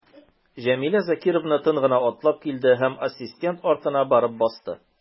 Җәмилә Закировна тын гына атлап килде һәм ассистент артына барып басты.